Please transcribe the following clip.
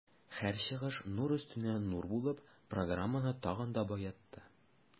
Һәр чыгыш нур өстенә нур булып, программаны тагын да баетты.